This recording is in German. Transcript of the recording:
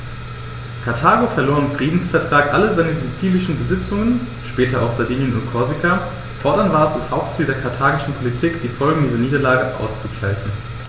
Karthago verlor im Friedensvertrag alle seine sizilischen Besitzungen (später auch Sardinien und Korsika); fortan war es das Hauptziel der karthagischen Politik, die Folgen dieser Niederlage auszugleichen.